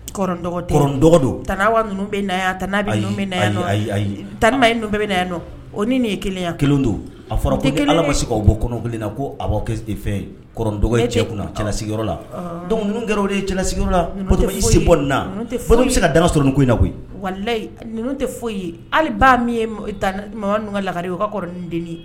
Tan bɛ n' tanma ye bɛ yan nɔ o ni ye kelenya kelen don a fɔra ala ma sigi' bɔ kelen na ko a dɔgɔ cɛ kunna cɛla la don ninnu kɛra o ye cɛla sigiyɔrɔ la se bɔ na fɔlɔ bɛ se ka da sɔrɔ nin ko in na koyi wala layi ninnu tɛ foyi ye hali'a min ye ka laka u ka kɔrɔden